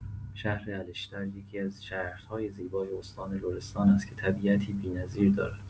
شهر الشتر یکی‌از شهرهای زیبای استان لرستان است که طبیعتی بی‌نظیر دارد.